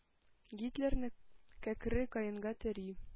Гитлерны кәкре каенга тери.